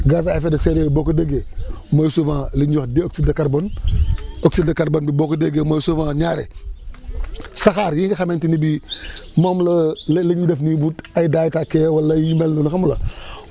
gaz à effet de serre yooyu boo ko déggee mooy souvent li ñuy wax dioxyde de carbone oxyde de carbone bi boo ko déggee mooy souvent ñaare saxaar yii nga xamante ni bii moom la léeg-léeg ñu def nii bu ay daay tàkkee wala yu mel noonu xam nga